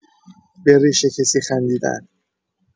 به ریش کسی خندیدن